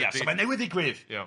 Ia so ma' newydd digwydd! Iawn.